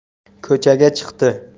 ko'chaga chiqdi